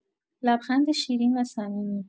لبخند شیرین و صمیمی